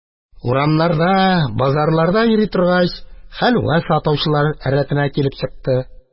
Урамнарда, базарларда йөри торгач, хәлвә сатучылар рәтенә килеп чыкты.